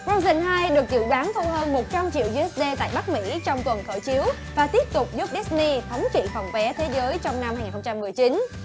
phờ râu dừn hai được dự đoán thu hơn một trăm triệu diu ét đê tại bắc mỹ trong tuần khởi chiếu và tiếp tục giúp đít ni thống trị phòng vé thế giới trong năm hai nghìn không trăm mười chín